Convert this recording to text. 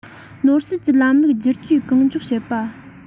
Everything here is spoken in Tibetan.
ནོར སྲིད ཀྱི ལམ ལུགས བསྒྱུར བཅོས གང མགྱོགས བྱེད པ